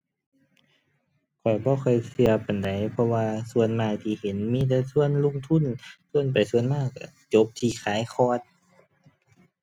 ข้อยบ่ค่อยเชื่อปานใด เพราะว่าส่วนมากที่เห็นมีแต่เชื่อลงทุน เชื่อไปเชื่อมาเชื่อจบที่ขายคอร์ส